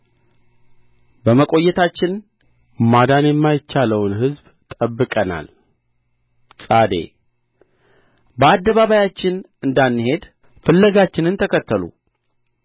በመቆየታችን ማዳን የማይቻለውን ሕዝብ ጠብቀናል ጻዴ በአደባባያችን እንዳንሄድ ፍለጋችንን ተከተሉ